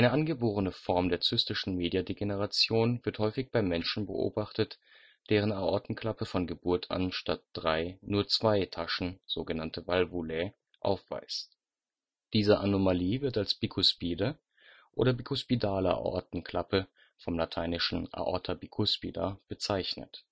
angeborene Form der zystischen Mediadegeneration wird häufig bei Menschen beobachtet, deren Aortenklappe von Geburt an statt drei nur zwei Taschen (Valvulae) aufweist. Diese Anomalie wird als bikuspide oder bikuspidale Aortenklappe (von lat.: Aorta bicuspida) bezeichnet